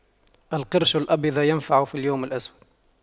القرش الأبيض ينفع في اليوم الأسود